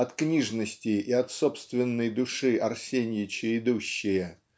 от книжности и от собственной души Арсенича идущие